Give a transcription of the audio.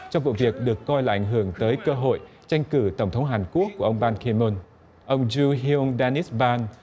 trong vụ việc được coi là ảnh hưởng tới cơ hội tranh cử tổng thống hàn quốc của ông ban ki mun ông giu hi ung đe niít ban